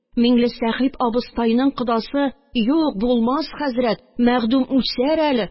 Миндесәхип абыстайның кодасы: «Юк, булмас, хәзрәт, мәхдүм үсәр әле.